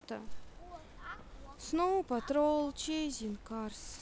сноу патрол чейзинг карс